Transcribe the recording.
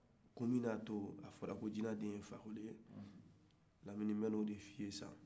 kun min y'a to a fɔra ko jana den de ye fakoli ye lamini nbɛ na o de f'i ye sisan